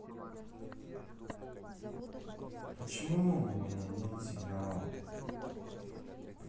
почему у меня нет сигнала